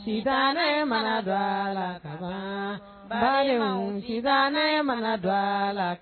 San ne ma dɔgɔ dɔ la ba ne ma dɔ la